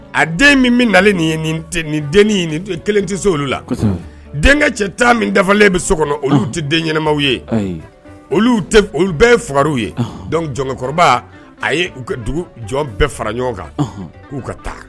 A den min bɛ nalen nin ye nin dennin kelen tɛ se olu la, denkɛ cɛ 10 minl dafalen bɛ so kɔnɔ olu tɛ den ɲɛnamaw ye, ayi, olu olu bɛɛ ye fugariw ye, ɔhɔn donc jɔnkɔrɔba a ye dugu jɔn bɛɛ fara ɲɔgɔn kan k'u ka taa!